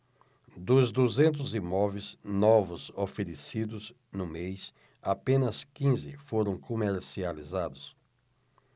dos duzentos imóveis novos oferecidos no mês apenas quinze foram comercializados